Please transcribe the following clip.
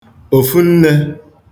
òfunnē